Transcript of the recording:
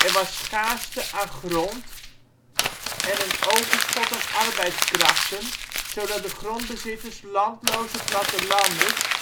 was schaarste aan grond en een overschot aan arbeidskrachten, zodat de grondbezitters landloze plattelanders